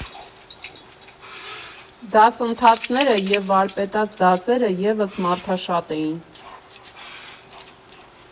Դասընթացները և վարպետաց դասերը ևս մարդաշատ էին։